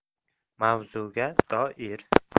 mavzuga doir